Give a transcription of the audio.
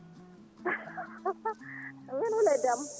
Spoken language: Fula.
ko min min Houléye Demba